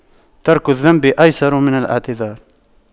ترك الذنب أيسر من الاعتذار